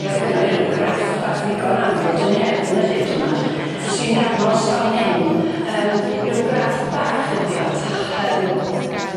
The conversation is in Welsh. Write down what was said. Ie o'dd gynno i ryw graff bach ddigon amrwd yng nghefn y llyfr 'ma sy'n dangos fan hyn yym ryw graff bach ydi o. O da. Yym yy.